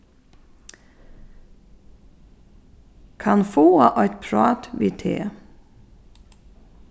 kann fáa eitt prát við teg